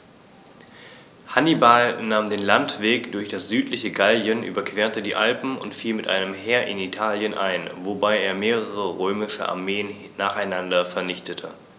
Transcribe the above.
Hannibal nahm den Landweg durch das südliche Gallien, überquerte die Alpen und fiel mit einem Heer in Italien ein, wobei er mehrere römische Armeen nacheinander vernichtete.